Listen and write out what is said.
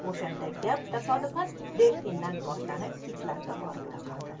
o'shanda gap tasodifan del'findan boshlanib kitlarga borib taqaldi